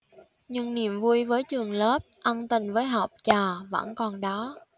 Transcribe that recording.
nhưng niềm vui với trường lớp ân tình với học trò vẫn còn đó